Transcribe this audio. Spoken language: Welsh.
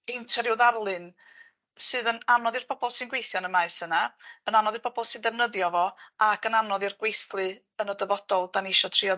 peintio ryw ddarlun sydd yn anodd i'r pobol sy'n gweithio yn y maes yna ma' anodd i'r bobol sy defnyddio fo ag yn anodd i'r gweithlu yn y dyfodol 'dan ni isio trio